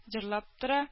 Җырлап тора